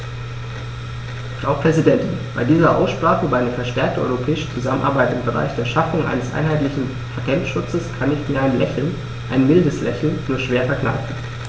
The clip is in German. Frau Präsidentin, bei dieser Aussprache über eine verstärkte europäische Zusammenarbeit im Bereich der Schaffung eines einheitlichen Patentschutzes kann ich mir ein Lächeln - ein mildes Lächeln - nur schwer verkneifen.